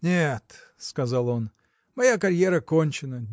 – Нет, – сказал он, – моя карьера кончена!